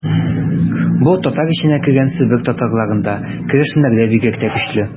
Бу татар эченә кергән Себер татарларында, керәшеннәрдә бигрәк тә көчле.